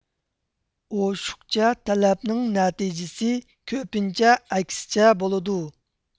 ئوشۇقچە تەلەپنىڭ نەتىجىسى كۆپىنچە ئەكىسچە بولىدۇ